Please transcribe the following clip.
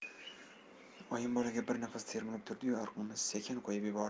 oyim bolaga bir nafas termilib turdiyu arqonni sekin qo'yib yubordi